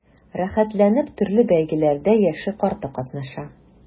Рәхәтләнеп төрле бәйгеләрдә яше-карты катнаша.